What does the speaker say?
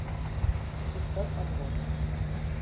хип хоп подборка